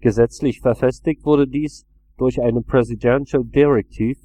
Gesetzlich verfestigt wurde dies durch eine Presidential Directive